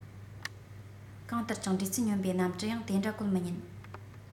གང ལྟར ཀྱང འགྲོས ཚད སྙོམ པའི གནམ གྲུ ཡང དེ འདྲ བཀོད མི ཉན